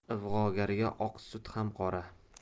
ig'vogarga oq sut ham qora